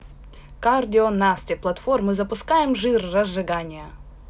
кардио насте платформы запускаем жир разжигание